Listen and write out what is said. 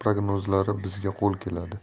prognozlari bizga qo'l keladi